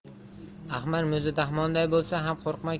ahman muzi dahmonday bo'lsa ham qo'rqma